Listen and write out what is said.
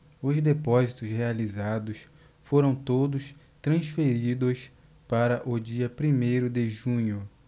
os depósitos realizados foram todos transferidos para o dia primeiro de junho